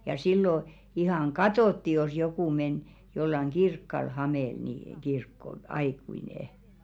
ja silloin ihan katsottiin jos joku meni jollakin kirkolla hameella niin kirkkoon aikuinen